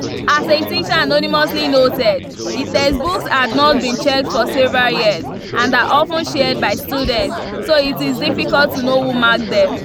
As a teacher anonymously noted, the textbooks had not been checked for several years and are often shared by students, so it is difficult to know who marked them.